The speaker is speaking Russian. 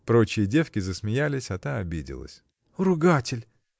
Прочие девки засмеялись, а та обиделась. — Ругатель!